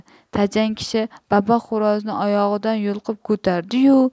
tajang kishi babax xo'rozni oyog'idan yulqib ko'tardiyu